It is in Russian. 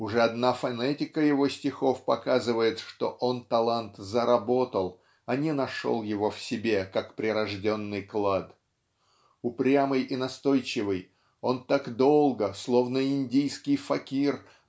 Уже одна фонетика его стихов показывает что он талант заработал а не нашел его в себе как прирожденный клад. Упрямый и настойчивый он так долго словно индийский факир